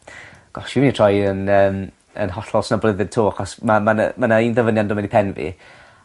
Gosh fi myn' i troi yn yym yn hollol snobyddlyd 'to achos ma' ma' 'na ma' 'na un dyfyniad yn do' mewn i pen fi